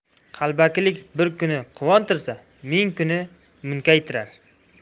qalbakilik bir kun quvontirsa ming kun munkaytirar